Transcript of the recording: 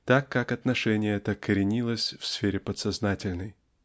так как отношение это коренилось в сфере подсознательной.